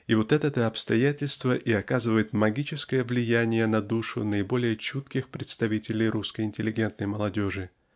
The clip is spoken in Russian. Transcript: И вот это-то обстоятельство и оказывает магическое влияние на душу наиболее чутких представителей русской интеллигентной молодежи.